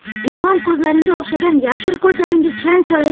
ilon ko'zlariga o'xshagan yashil ko'zlaringga chang solay